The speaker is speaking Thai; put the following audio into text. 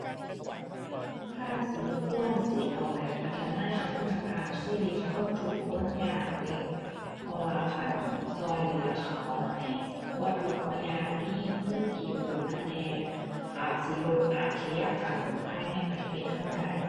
ภาษีควรสิเอาไปพัฒนาคุณภาพชีวิตคนทุกข์คนยากเดะ เพราะว่าคันช่วยเหลือเขาให้บ่ทุกข์บ่ยาก มีเงินกินขึ้นมาแหน่ อาจสิลดอาชญากรรมภายในประเทศช่วยได้